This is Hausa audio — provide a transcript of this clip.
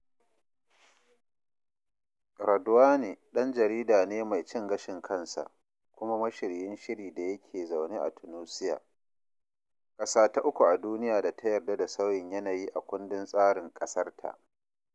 Radhouane ɗan jarida ne mai cin gashin kansa kuma mashiryin shiri da yake zaune a Tunisia, ƙasa ta uku a duniya da ta yarda da sauyin yanayi a kundin tsarin ƙasarta.